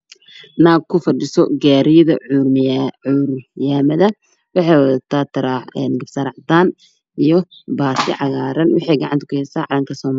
Naag ku fadhido kursiga colaa waxay qabtaa taraaxad cadoon ah iyo dirac madow ah waxay gacanta ku heysaa calanka soomaaliya